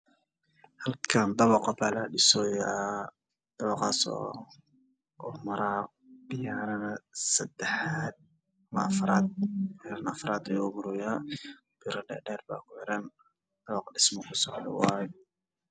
Halkaan waxaa ku yaalla dabaq la dhisayo waana haddaba dhowr biyaana ah oo la